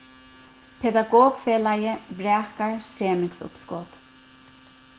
pedagogfelagið vrakar semingsuppskot